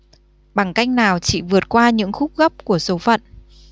bằng cách nào chị vượt qua những khúc gấp của số phận